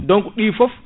donc ɗi foof